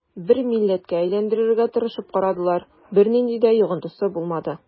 Бер милләткә әйләндерергә тырышып карадылар, бернинди дә йогынтысы булмады.